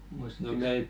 muistattekos te